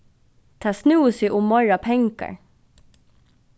tað snúði seg um meira pengar